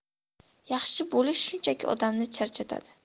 yaxshi bo'lish shunchaki odamni charchatadi